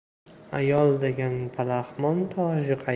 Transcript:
ayol degan palaxmon toshi